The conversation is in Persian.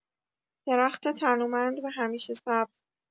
درخت تنومند و همیشه سبز